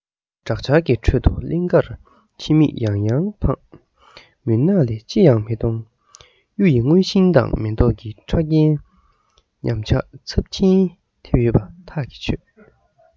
དྲག ཆར གྱི ཁྲོད དུ གླིང གར ཕྱིར མིག ཡང ཡང འཕངས མུན ནག ལས ཅི ཡང མི མཐོང གཡུ ཡི ལྗོན ཤིང དང མེ ཏོག གི ཕྲ རྒྱན ཉམས ཆག ཚབས ཆེན ཐེབས ཡོད པ ཐག གིས ཆོད